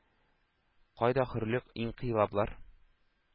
Кайда хөрлек, инкыйлаблар,